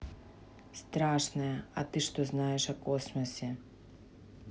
страшное а ты что знаешь о космосе